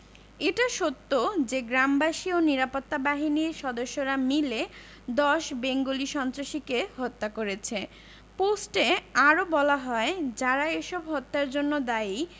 এটা সত্য যে গ্রামবাসী ও নিরাপত্তা বাহিনীর সদস্যরা মিলে ১০ বেঙ্গলি সন্ত্রাসীকে হত্যা করেছে পোস্টে আরো বলা হয় যারা এসব হত্যার জন্য দায়ী